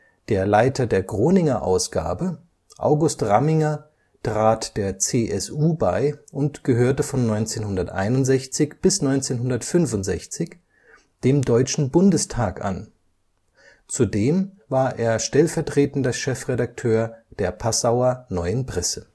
Der Leiter der Groninger Ausgabe, August Ramminger, trat der CSU bei und gehörte von 1961 – 1965 dem Deutschen Bundestag an, zudem war er stellvertretender Chefredakteur der Passauer Neuen Presse